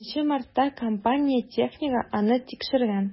20 мартта компания технигы аны тикшергән.